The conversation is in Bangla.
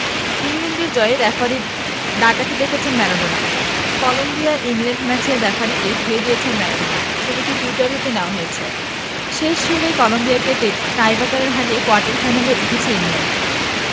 ইংল্যান্ডের জয়ে রেফারির ডাকাতি দেখছেন ম্যারাডোনা কলম্বিয়া ইংল্যান্ড ম্যাচের রেফারিকে ধুয়ে দিয়েছেন ম্যারাডোনা ছবিটি টুইটার হতে নেয়া হয়েছে শেষ ষোলোয় কলম্বিয়াকে টাইব্রেকারে হারিয়ে কোয়ার্টার ফাইনালে উঠেছে ইংল্যান্ড